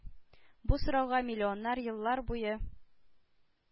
Бу сорауга миллионнар еллар буе